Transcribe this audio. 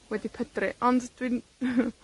wedi pydru, ond dwi'n,